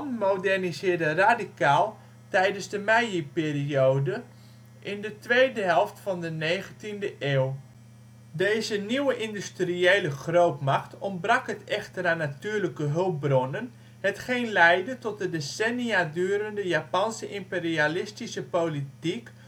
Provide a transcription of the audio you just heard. moderniseerde radicaal tijdens de Meijiperiode in de tweede helft van de 19e eeuw. Deze nieuwe industriële grootmacht ontbrak het echter aan natuurlijke hulpbronnen, hetgeen leidde tot de decennia durende Japanse imperialistische politiek